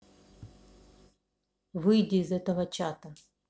выйди из этого чата